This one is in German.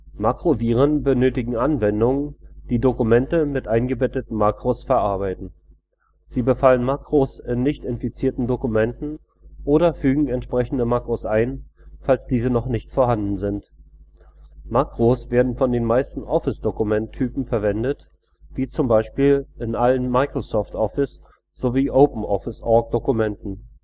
Makroviren benötigen Anwendungen, die Dokumente mit eingebetteten Makros verarbeiten. Sie befallen Makros in nicht-infizierten Dokumenten oder fügen entsprechende Makros ein, falls diese noch nicht vorhanden sind. Makros werden von den meisten Office-Dokument-Typen verwendet, wie zum Beispiel in allen Microsoft-Office - sowie OpenOffice.org-Dokumenten